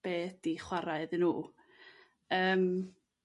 be' 'di chwarae iddyn nhw yrm.